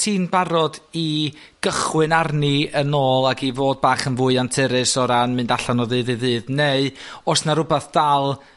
ti'n barod i gychwyn arni yn ôl ag i fod bach yn fwy anturus o ran mynd allan o ddydd i ddydd, neu o's 'na rywbath dal